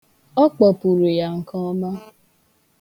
Ọ kpọpuru ya nke ọma.